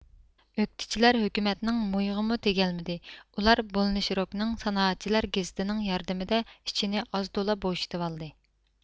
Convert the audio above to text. ئۆكتىچىلەر ھۆكۈمەتىنىڭ مويىغىمۇ تېگەلمىدى ئۇلار بولىنشروكنىڭ سانائەتچىلەر گېزىتى نىڭ ياردىمىدە ئىچىنى ئاز تولا بوشىتىۋالدى